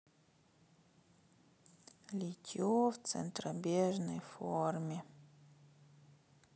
литье в центробежной форме